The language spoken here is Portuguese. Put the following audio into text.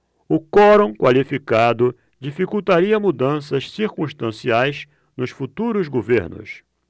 o quorum qualificado dificultaria mudanças circunstanciais nos futuros governos